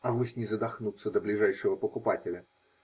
Авось не задохнутся до ближайшего покупателя.